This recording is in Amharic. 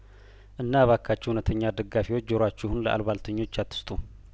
እና እባካችሁ እውነተኛ ደጋፊዎች ጆሯችሁን ለአሉባልተኞች አትስጡ